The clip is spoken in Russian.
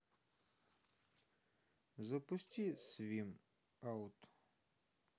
запусти свим аут